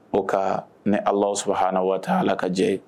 O ka ni ala sɔrɔ hana waati ala ka jɛ